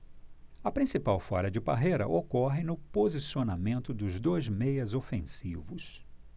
a principal falha de parreira ocorre no posicionamento dos dois meias ofensivos